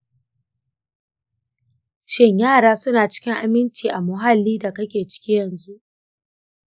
shin yara suna cikin aminci a muhallin da kuke ciki yanzu?